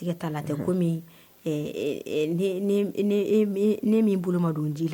N ta tɛ ko ne min bolo madon n' la